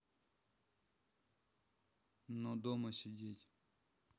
но дома сидеть